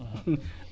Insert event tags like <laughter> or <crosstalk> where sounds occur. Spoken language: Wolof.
<hesitation> <hesitation>